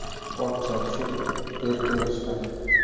ot chopishib erka o'sgan